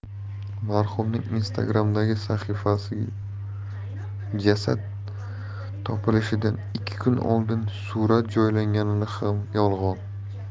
marhumning instagram'dagi sahifasiga jasad topilishidan ikki kun oldin surat joylangani ham yolg'on